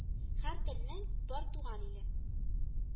Һәр телнең бар туган иле